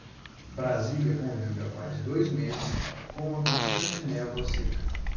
brasília convive há quase dois meses com uma constante névoa seca